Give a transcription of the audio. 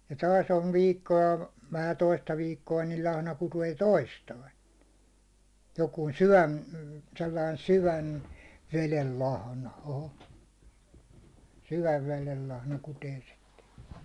ja taas on viikkoa vähän toista viikkoa niin lahna kutee toistain joku syvän sellainen syvän veden lahna oho syvän veden lahna kutee sitten